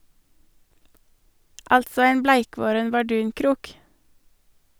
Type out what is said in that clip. Altså ein bleikvoren bardunkrok.